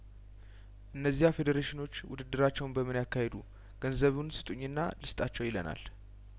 እነዚያ ፌዴሬሽኖች ውድድራቸውን በምን ያካሂዱ ገንዘቡን ስጡኝናል ስጣቸው ይለናል